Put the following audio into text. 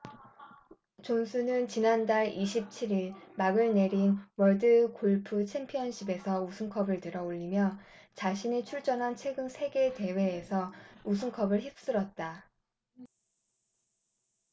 존슨은 지난달 이십 칠 일 막을 내린 월드골프챔피언십에서 우승컵을 들어 올리며 자신이 출전한 최근 세 개 대회에서 우승컵을 휩쓸었다